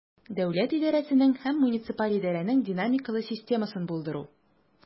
Дәүләт идарәсенең һәм муниципаль идарәнең динамикалы системасын булдыру.